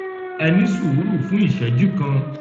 Ẹ ní sùúrù fún ìṣẹ́ju kan